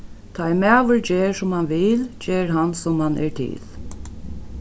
tá ið maður ger sum hann vil ger hann sum hann er til